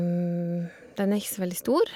Den er ikke så veldig stor.